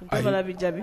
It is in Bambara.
Ayi. Bamanan b'i jaabi.